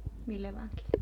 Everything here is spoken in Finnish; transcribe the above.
mille vangeille